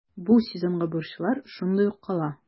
Бу сезонга бурычлар шундый ук кала.